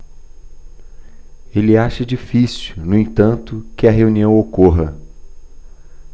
ele acha difícil no entanto que a reunião ocorra